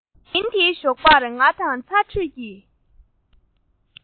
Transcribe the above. ཉིན དེའི ཞོགས པར ང རང ཚ དྲོད ཀྱིས